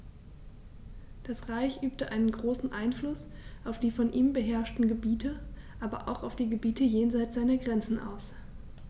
Das Reich übte einen großen Einfluss auf die von ihm beherrschten Gebiete, aber auch auf die Gebiete jenseits seiner Grenzen aus.